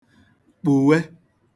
kpùwe